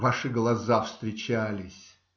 Ваши глаза встречались.